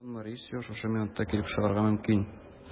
Дон Морисио шушы минутта килеп чыгарга мөмкин.